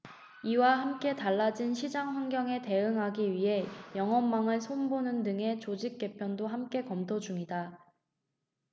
이와 함께 달라진 시장환경에 대응하기 위해 영업망을 손보는 등의 조직 개편도 함께 검토 중이다